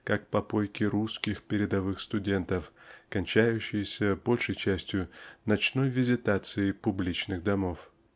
как попойки русских передовых студентов кончающиеся большей частью ночной визитацией публичных домов.